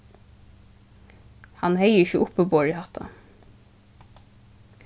hann hevði ikki uppiborið hatta